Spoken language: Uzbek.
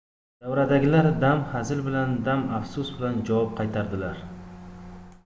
davradagilar dam hazil bilan dam afsus bilan javob qaytardilar